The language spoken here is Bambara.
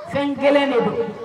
Fɛn kelen de don